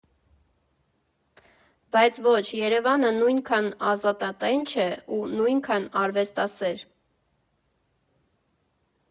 Բայց ոչ, Երևանը նույնքան ազաատատենչ է ու նույնքան արվեստասեր։